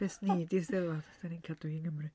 Peth ni 'di 'Steddfod. Dan ni'n cadw hi yng Nghymru.